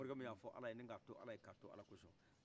mɔrikɛ minya fɔ ala nin ka to alaye ka to ala kɔsɔ